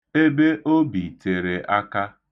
Ebe o bi tere aka.